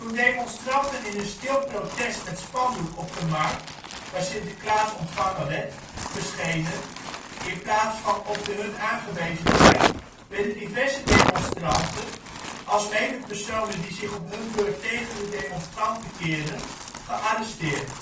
demonstranten in een stil protest met spandoek op de markt (waar Sinterklaas ontvangen werd) verschenen, in plaats van op de hun aangewezen plek, werden diverse demonstranten, alsmede personen die zich op hun beurt tegen de demonstranten keerden, gearresteerd